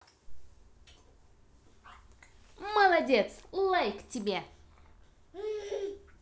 молодец лайк тебе